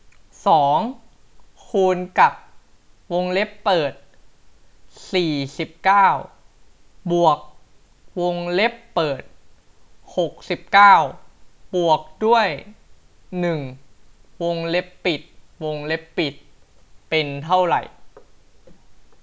สองคูณกับวงเล็บเปิดสี่สิบเก้าบวกวงเล็บเปิดหกสิบเก้าบวกด้วยหนึ่งวงเล็บปิดวงเล็บปิดเป็นเท่าไร